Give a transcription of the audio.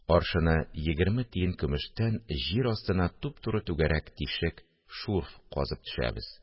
Аршыны егерме тиен көмештән җир астына туп-туры түгәрәк тишек (шурф) казып төшәбез